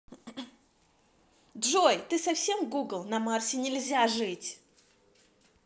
джой ты совсем google на марсе нельзя жить